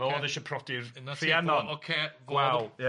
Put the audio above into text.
...fel oedd e eisiau prodi'r Rhiannon... Ocê gwawl ie.